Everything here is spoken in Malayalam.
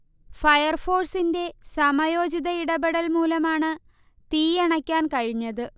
ഫയർഫോഴ്സിെൻറ സമയോചിത ഇടപെടൽ മൂലമാണ് തീയണക്കാൻ കഴിഞ്ഞത്